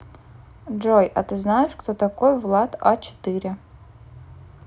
джой а ты знаешь кто такой влад а четыре